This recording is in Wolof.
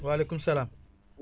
waaleykum salaam